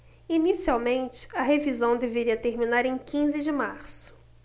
inicialmente a revisão deveria terminar em quinze de março